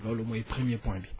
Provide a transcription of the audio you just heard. loolu mooy premier point bi